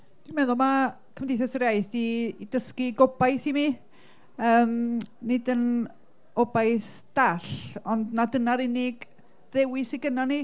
Dwi'n meddwl ma' Cymdeithas yr Iaith 'di dysgu gobaith i mi. yym nid yn obaith dall, ond na dyna'r unig ddewis sydd gennyn ni.